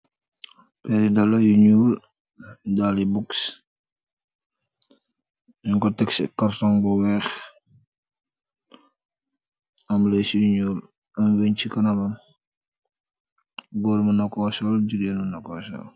Ayee dalla yu njol , dalle books nug ku tek se cartoon bu weeh, am liss yu njol, am ween se kanamam, goor muna ku sul jegain muna ku sul.